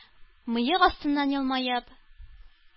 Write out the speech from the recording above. Мыек астыннан елмаеп: